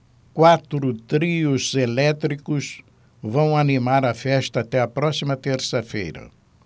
quatro trios elétricos vão animar a festa até a próxima terça-feira